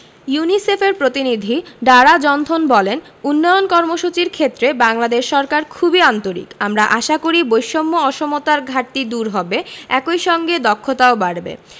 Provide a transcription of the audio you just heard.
ইউনিসেফের প্রতিনিধি ডারা জনথন বলেন উন্নয়ন কর্মসূচির ক্ষেত্রে বাংলাদেশ সরকার খুবই আন্তরিক আমরা আশা করি বৈষম্য অসমতার ঘাটতি দূর হবে একই সঙ্গে দক্ষতাও বাড়বে